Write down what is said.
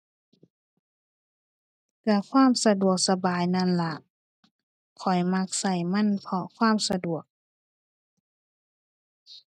เรื่องความสะดวกสบายนั่นล่ะ ข้อยมักใช้มัน เพราะความสะดวก